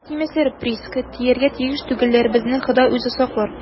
- алар безгә тимәсләр, приск, тияргә тиеш түгелләр, безне хода үзе саклар.